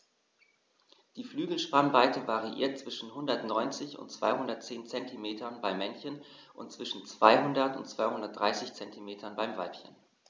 Die Flügelspannweite variiert zwischen 190 und 210 cm beim Männchen und zwischen 200 und 230 cm beim Weibchen.